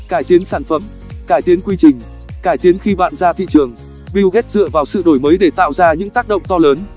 cải tiến sản phẩm cải tiến quy trình cải tiến khi bạn ra thị trường bill gates dựa vào sự đổi mới để tạo ra những tác động to lớn